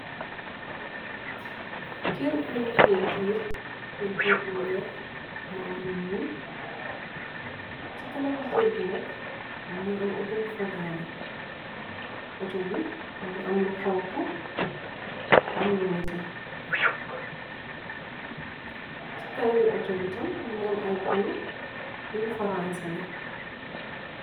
Kër buñ pintiir bu leex mu am lu ñuul ci kana bi kër gi nak mu ngi am auto bu fagaare auto bi gi amlu xonk am lu nete nai autobitam mngi am ay pono yuñu faransale